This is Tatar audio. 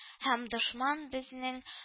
Һәм дошман безнең